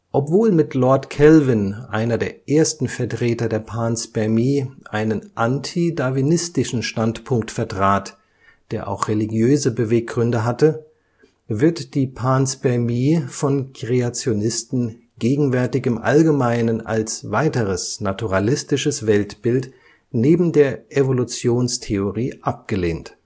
Obwohl mit Lord Kelvin einer der ersten Vertreter der Panspermie einen antidarwinistischen Standpunkt vertrat, der auch religiöse Beweggründe hatte, wird die Panspermie von Kreationisten gegenwärtig im Allgemeinen als weiteres naturalistisches Weltbild neben der Evolutionstheorie abgelehnt